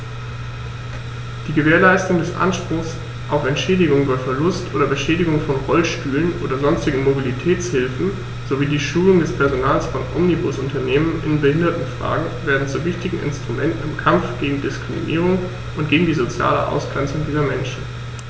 Die Gewährleistung des Anspruchs auf Entschädigung bei Verlust oder Beschädigung von Rollstühlen oder sonstigen Mobilitätshilfen sowie die Schulung des Personals von Omnibusunternehmen in Behindertenfragen werden zu wichtigen Instrumenten im Kampf gegen Diskriminierung und gegen die soziale Ausgrenzung dieser Menschen.